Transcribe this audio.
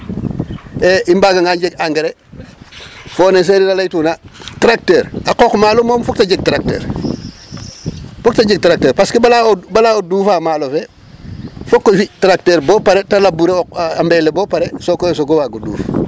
EE i mbaaganga njeg engrais fo ne Serir a laytuna tracteur a qooq maalo moom fok ta jeg tracteur fok ta jeg tracteur parce que bala o duufa maalo fe fok o fi' tracteur bo pare te labouré a mbeel ale bo pare sokoy o soog o waago duuf.